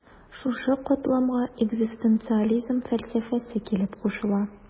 Шушы катламга экзистенциализм фәлсәфәсе килеп кушыла.